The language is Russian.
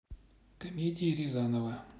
комедии рязанова